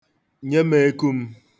Nye m eku m.